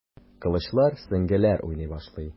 Кылычлар, сөңгеләр уйный башлый.